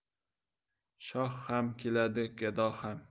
shoh ham keladi gado ham